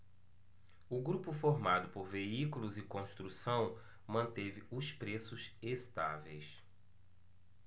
o grupo formado por veículos e construção manteve os preços estáveis